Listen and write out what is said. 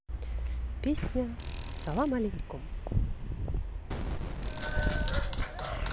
песня салам алейкум